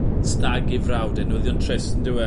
stag ei frawd e newyddion trist yndyw e...